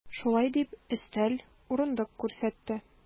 Шулай дип, өстәл, урындык күрсәтте.